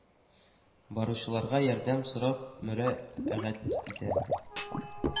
Баручыларга ярдәм сорап мөрә әгать итә